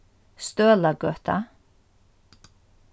støðlagøta